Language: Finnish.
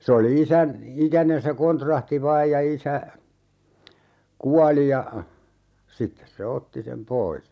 se oli isän ikäinen se kontrahti vain ja isä kuoli ja sitten se otti sen pois